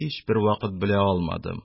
Һичбер вакыт белә алмадым;